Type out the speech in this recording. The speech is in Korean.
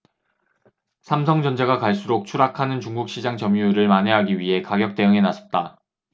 삼성전자가 갈수록 추락하는 중국 시장 점유율을 만회하기 위해 가격 대응에 나섰다